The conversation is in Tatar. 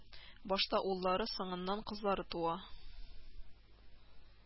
Башта уллары, соңыннан кызлары туа